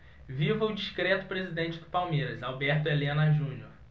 viva o discreto presidente do palmeiras alberto helena junior